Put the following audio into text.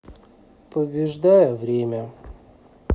побеждая время